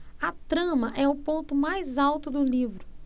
a trama é o ponto mais alto do livro